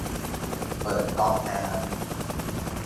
เปิดก๊อกน้ำ